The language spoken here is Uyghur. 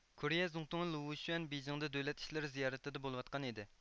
كورىيە زۇڭتۇڭى لۇۋۇشۈەن بېيجىڭدا دۆلەت ئىشلىرى زىيارىتىدە بولۇۋاتقان ئىدى